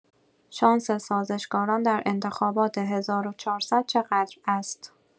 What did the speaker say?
شانس سازشکاران در انتخابات ۱۴۰۰ چقدر است؟